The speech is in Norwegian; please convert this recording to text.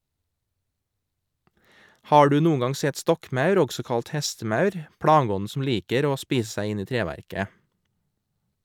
Har du noen gang sett stokkmaur , også kalt hestemaur, plageånden som liker å spise seg inn i treverket?